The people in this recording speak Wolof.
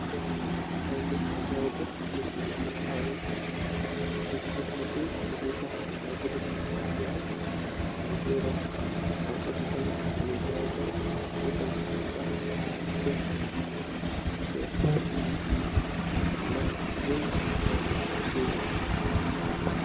Tally ay nit yufay doh nit yu am ay pus pus nyu tahaw ci brij bi di jaay melni kuy romba ay oto tamit nyung fai daw oto admit bufa pak ker tamit mung fa